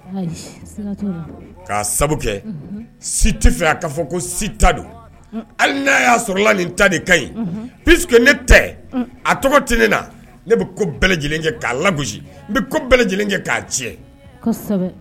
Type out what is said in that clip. Tɛ fɔ hali n'a y sɔrɔ la nin ta ka p ne tɛ a tɔgɔ tɛ ne ne ko k'a la k'a tiɲɛ